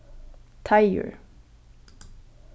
teigur